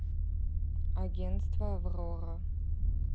агентство аврора